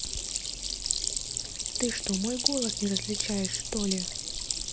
ты что мой голос не различаешь что ли